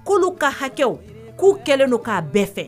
Kooluu ka hakɛw k'u kɛlen don k'a bɛɛ fɛ